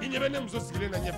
I ɲɛ ne muso sigilen ka